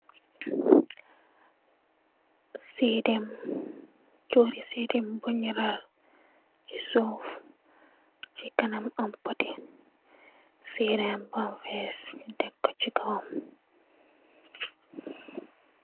Sehdem, johri sehdem bungh lal chi suff, chi kanam am poti sehdem bahm fess nju tek kor cii kawam.